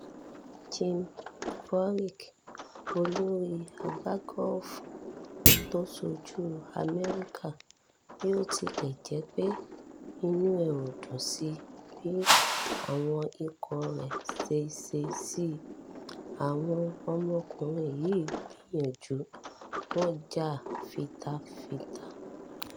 Jim Furyk, olórí agbágọ́ọ̀fù tó ṣojú Amẹ́ríkà, bí ó tilẹ̀ jẹ́ pé inú ẹ̀ ò dùn sí bí àwọn ikọ̀ rẹ̀ ṣeṣe sí “Àwọn ọmọkùnrin yìí gbìyànjú. Wọ́n jà fitafita,